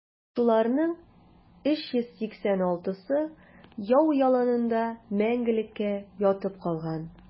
Шуларның 386-сы яу яланында мәңгелеккә ятып калган.